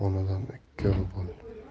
onadan ikkov bo'l